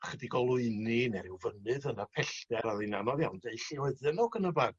chydig olwyni ne' ryw fynydd yn y pellter a o'dd 'i'n anodd iawn deu lle oedden n'w ac yn y blaen.